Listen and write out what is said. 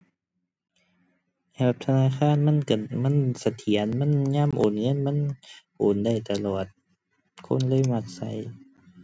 แอปธนาคารมันก็ มันเสถียร มันยามโอนเงิน มันโอนได้ตลอด คนเลยมักก็